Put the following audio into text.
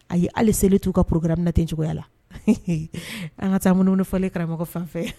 A y' hali selen t'u ka porourkuram ten cogoya la n'an ka taa ŋ ne fɔlen karamɔgɔ fan fɛ